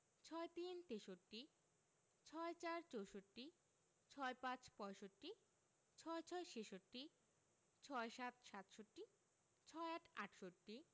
৬৩ তেষট্টি ৬৪ চৌষট্টি ৬৫ পয়ষট্টি ৬৬ ছেষট্টি ৬৭ সাতষট্টি ৬৮ আটষট্টি